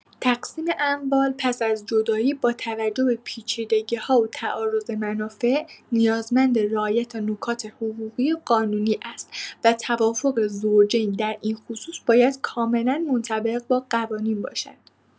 تقسیم اموال پس از جدایی، با توجه به پیچیدگی‌ها و تعارض منافع، نیازمند رعایت نکات حقوقی و قانونی است و توافق زوجین در این خصوص باید کاملا منطبق با قوانین باشد.